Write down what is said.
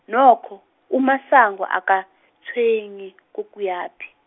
nokho, uMasango, akatshwenyi, kokuyaphi.